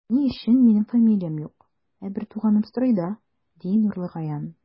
Ни өчен минем фамилиям юк, ә бертуганым стройда, ди Нурлыгаян.